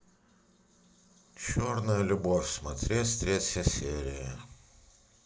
черная любовь смотреть третья серия